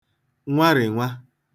nwarị̀nwa